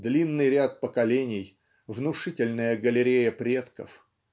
длинный ряд поколений, внушительная галерея предков).